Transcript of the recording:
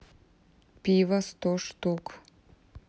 пиво сто штук